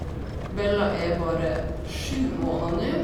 Bella er bare sju måneder nu.